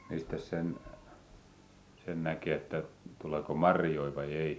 mistäs sen sen näkee että tuleeko marjoja vai ei